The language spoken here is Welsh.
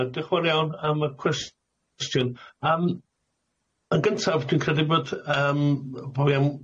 Yy diolch yn fawr iawn am y cwestiwn. Yym yn gyntaf dwi'n credu bod yym bo fi am